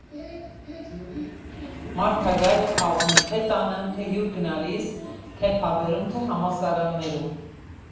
«Մարդագայլը» խաղում են թե տանը, թե հյուր գնալիս, թե փաբերում, թե համալսարաններում։